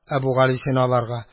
Әбүгалисина аларга